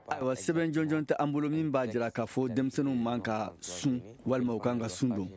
ayiwa sɛbɛn jɔnjɔn t'an bolo min b'a jira k'a fɔ denmisɛnw man kan ka sun walima u ka kan ka sun don